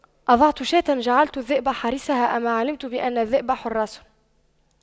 أضعت شاة جعلت الذئب حارسها أما علمت بأن الذئب حراس